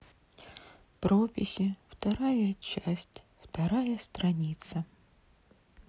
прописи вторая часть вторая страница